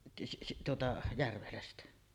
- tuota Järvelästä